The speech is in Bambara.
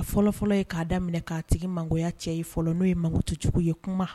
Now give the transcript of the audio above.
A fɔlɔfɔlɔ ye k'a daminɛ minɛ' tigi mangoya cɛ ye fɔlɔ n'o ye mantujugu ye kuma